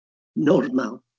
Normal.